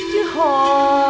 hò